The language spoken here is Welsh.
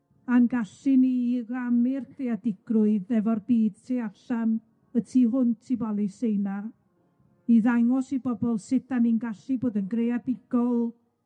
a'n gallu ni i rannu'r creadigrwydd efo'r byd tu allan y tu hwnt i Balesteina, i ddangos i bobol sut 'dan ni'n gallu bod yn greadigol,